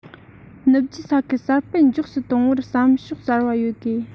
ནུབ རྒྱུད ས ཁུལ གསར སྤེལ མགྱོགས སུ གཏོང བར བསམ ཕྱོགས གསར པ ཡོད དགོས